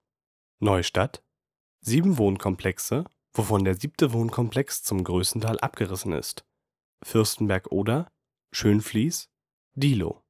Neustadt (7 Wohnkomplexe, wovon der 7. Wohnkomplex zum großen Teil abgerissen ist.) Fürstenberg (Oder) Schönfließ Diehlo